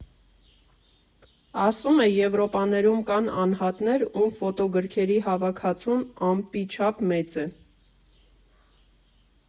Ասում է՝ Եվրոպաներում կան անհատներ, ում ֆոտո֊գրքերի հավաքածուն ամպի չափ մեծ է։